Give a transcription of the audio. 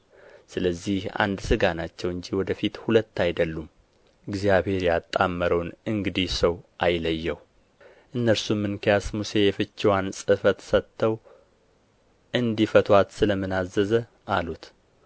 ስለዚህ አንድ ሥጋ ናቸው እንጂ ወደ ፊት ሁለት አይደሉም እግዚአብሔር ያጣመረውን እንግዲህ ሰው አይለየው እነርሱም እንኪያስ ሙሴ የፍችዋን ጽሕፈት ሰጥተው እንዲፈቱአት ስለ ምን አዘዘ አሉት